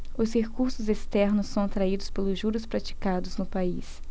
os recursos externos são atraídos pelos juros praticados no país